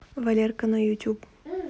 валерка на ютюб